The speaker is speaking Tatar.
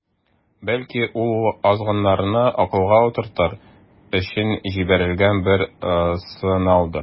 Бәлки, ул азгыннарны акылга утыртыр өчен җибәрелгән бер сынаудыр.